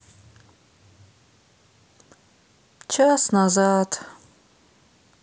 час назад